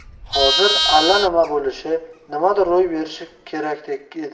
hozir alla nima bo'lishi nimadir ro'y berishi kerakdek edi